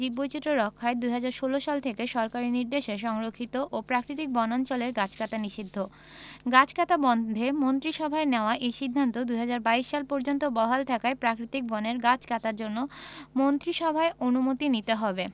জীববৈচিত্র্য রক্ষায় ২০১৬ সাল থেকে সরকারি নির্দেশে সংরক্ষিত ও প্রাকৃতিক বনাঞ্চলের গাছ কাটা নিষিদ্ধ গাছ কাটা বন্ধে মন্ত্রিসভায় নেয়া এই সিদ্ধান্ত ২০২২ সাল পর্যন্ত বহাল থাকায় প্রাকৃতিক বনের গাছ কাটার জন্য মন্ত্রিসভার অনুমতি নিতে হবে